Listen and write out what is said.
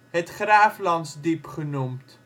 het Graaflandsdiep genoemd